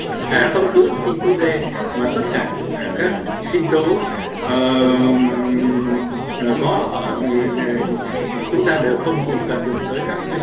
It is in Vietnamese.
không cứ sinh tố đê mà tất cả các sinh tố có ở chúng ta đều không cần dùng đến các